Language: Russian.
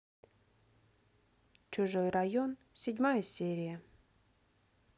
чужой район седьмая серия